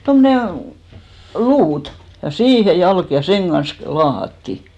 tuommoinen luuta ja siihen jalka ja sen kanssa - laahattiin